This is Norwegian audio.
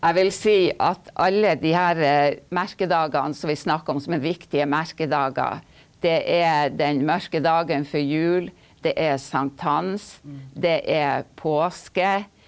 jeg vil si at alle de her merkedagene som vi snakker om som er viktige merkedager, det er den mørke dagen før jul, det er sankthans, det er påske.